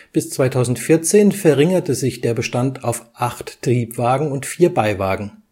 Bis 2014 verringerte sich der Bestand auf acht Triebwagen und vier Beiwagen